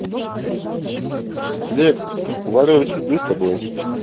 леска валивать люблю с тобой